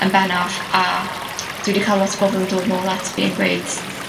yn bennaf a dwi 'di ca'l lot o pobol yn dod nôl ata fi yn gweud